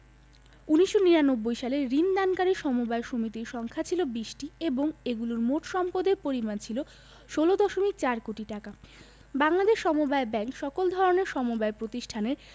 ১৯৯৯ সালে ঋণ দানকারী সমবায় সমিতির সংখ্যা ছিল ২০টি এবং এগুলোর মোট সম্পদের পরিমাণ ছিল ১৬দশমিক ৪ কোটি টাকা বাংলাদেশ সমবায় ব্যাংক সকল ধরনের সমবায় প্রতিষ্ঠানের